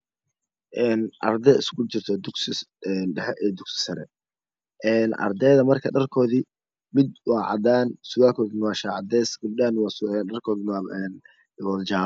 Een arday iskugu jirta dugsi dhexe iyo sere ardayda dharkoda mid waa cadees midna waa xadan gabdhaha dharkooda waa wada jalo